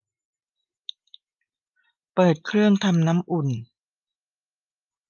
เปิดเครื่องทำความน้ำอุ่น